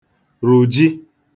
rụ̀ji